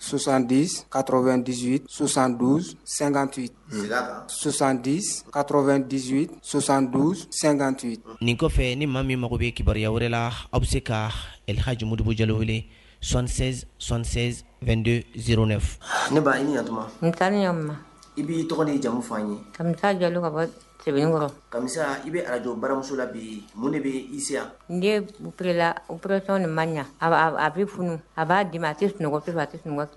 San kazsan sansan kazsan san nin kɔfɛ ni maa min mako bɛ kibaruyaya wɛrɛ la aw bɛ se kalhajamdugubugujɛ wele sɔ sɔ2d ziɛ ne ɲa ii tɔgɔ jamumu ye kami jalo ka bɔ sɛbɛnkɔrɔmi i bɛ araj baramuso bi mun de bɛi nla ni man ɲɛ a bɛ funu a b'a dii ma a tɛ sunɔgɔ a sun